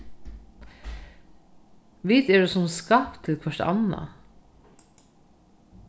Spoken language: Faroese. vit eru sum skapt til hvørt annað